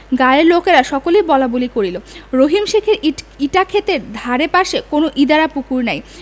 গায়ের লোকেরা সকলেই বলাবলি করিল রহিম শেখের ইট ইটাক্ষেতের ধারে পাশে কোনো ইদারা পুকুর নাই